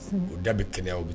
O da bi kɛnɛyaw bi